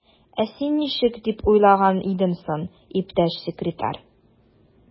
Ә син ничек дип уйлаган идең соң, иптәш секретарь?